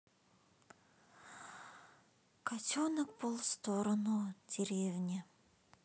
котенок полз в сторону деревни